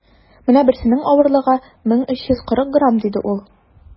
- менә берсенең авырлыгы 1340 грамм, - диде ул.